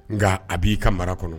Nka a b'i ka mara kɔnɔ